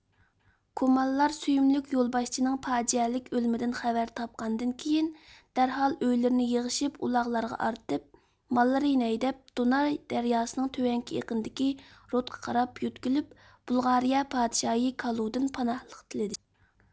كومانلار سۆيۈملۈك يولباشچىنىڭ پاجئەلىك ئۆلۈمىدىن خەۋەر تاپقاندىن كېيىن دەرھال ئۆيلىرىنى يىغىشىپ ئۇلاغلارغا ئارتىپ ماللىرىنى ھەيدەپ دوناي دەرياسىنىڭ تۆۋەنكى ئېقىنىدىكى رودقا قاراپ يۆتكىلىپ بۇلغارىيە پادىشاھى كالۇدىن پاناھلىق تىلىدى